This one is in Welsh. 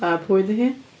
A pwy ydi hi?